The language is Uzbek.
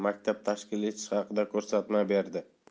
maktab tashkil etish haqida ko'rsatma berdi